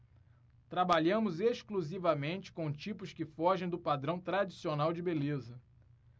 trabalhamos exclusivamente com tipos que fogem do padrão tradicional de beleza